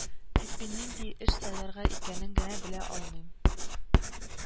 Тик мин нинди эш сайларга икәнен генә белә алмыйм